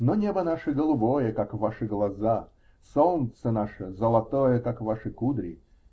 Но небо наше голубое, как ваши глаза; солнце наше золотое, как ваши кудри.